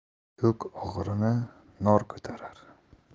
yuk og'irini nor ko'tarar